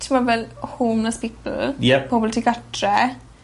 t'mo' fel homeless people? Ie. Pobol di-gartre